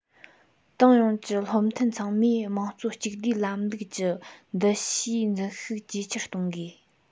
ཏང ཡོངས ཀྱི བློ མཐུན ཚང མས དམངས གཙོ གཅིག སྡུད ལམ ལུགས ཀྱི འདུ ཤེས འཛིན ཤུགས ཇེ ཆེར གཏོང དགོས